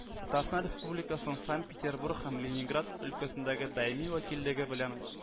Татарстан Республикасын Санкт-Петербург һәм Ленинград өлкәсендәге Даими вәкиллеге белән